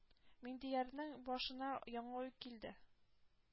Миндиярның башына яңа уй килде: